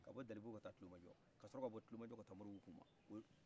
k'a bɔ dalibugu ka taa kulomajɔ ka sɔrɔ ka bɔ kulomqjɔ ka taa mɔribugu kuma